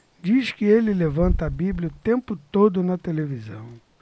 diz que ele levanta a bíblia o tempo todo na televisão